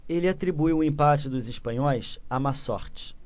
ele atribuiu o empate dos espanhóis à má sorte